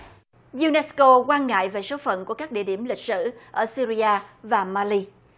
diu nét cô quan ngại về số phận của các địa điểm lịch sử ở si ri a và ma li